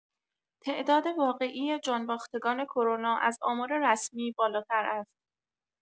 تعداد واقعی جان‌باختگان کرونا از آمار رسمی بالاتر است.